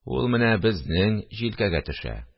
– ул менә безнең җилкәгә төшә